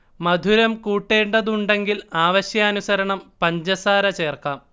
മധുരം കൂട്ടേണ്ടതുണ്ടെങ്കിൽ ആവശ്യാനുസരണം പഞ്ചസാര ചേർക്കാം